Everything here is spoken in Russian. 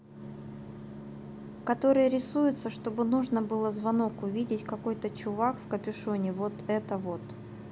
который рисуется чтобы нужно было звонок увидеть какой то чувак в капюшоне вот это вот